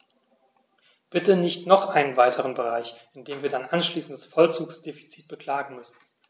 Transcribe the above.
Bitte nicht noch einen weiteren Bereich, in dem wir dann anschließend das Vollzugsdefizit beklagen müssen.